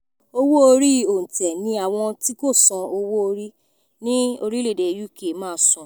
Owó orí olńtẹ̀ ní àwọn tí kò san owó orí ní Uk máa san